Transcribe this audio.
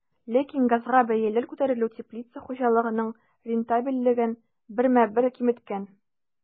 Ләкин газга бәяләр күтәрелү теплица хуҗалыгының рентабельлеген бермә-бер киметкән.